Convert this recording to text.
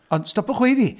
Ond stopiwch weiddi!